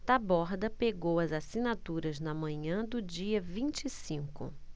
taborda pegou as assinaturas na manhã do dia vinte e cinco